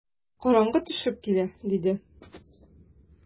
Караңгы төшеп килә, - диде.